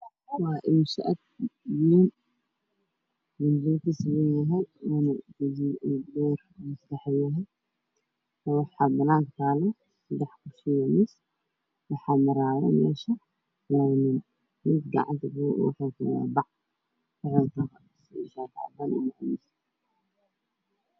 Waa nin meel taagan oo gacanta ku haysto telefoon waxaa ag maraayo laba nin midka gees uga soo jiray wuxuu qabaa fanaanada cadaan ah iyo sual madow